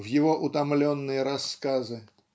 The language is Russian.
в его утомленные рассказы.